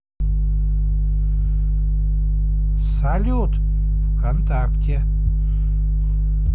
салют вконтакте